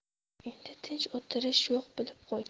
endi tinch o'tirish yo'q bilib qo'y